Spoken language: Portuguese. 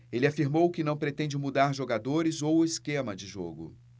ele afirmou que não pretende mudar jogadores ou esquema de jogo